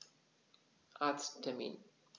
Arzttermin